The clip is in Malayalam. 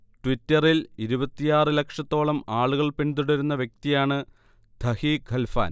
ട്വിറ്ററിൽ ഇരുപത്തിയാറ് ലക്ഷത്തോളം ആളുകൾ പിന്തുടരുന്ന വ്യക്തിയാണ് ധഹി ഖൽഫാൻ